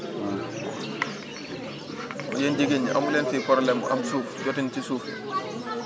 yéen jigéen ñi amu leen fi problème am suuf jotin ci suuf